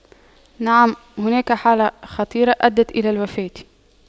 نعم هناك حالة خطيرة أدت إلى الوفاة